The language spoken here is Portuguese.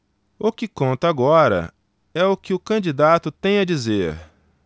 o que conta agora é o que o candidato tem a dizer